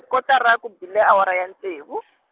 kotara ku bile awara ya ntsevu .